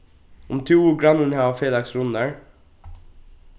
um tú og grannin hava felags runnar